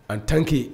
An tanke